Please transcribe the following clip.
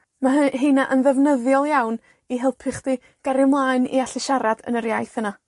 Ma' hy- heina ddefnyddiol iawn i helpu chdi gario mlaen i allu siarad yn yr iaith yna.